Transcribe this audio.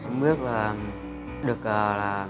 không biết làm được ờ